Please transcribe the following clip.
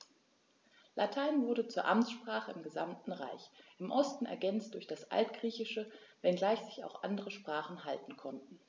Latein wurde zur Amtssprache im gesamten Reich (im Osten ergänzt durch das Altgriechische), wenngleich sich auch andere Sprachen halten konnten.